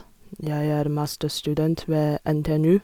Jeg er masterstudent ved NTNU.